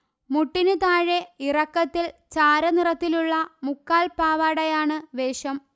മുട്ടിനു താഴെ ഇറക്കത്തിൽ ചാരനിറത്തിലുള്ള മുക്കാൽ പാവാടയാണ് വേഷം